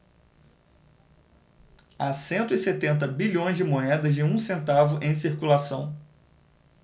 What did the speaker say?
há cento e setenta bilhões de moedas de um centavo em circulação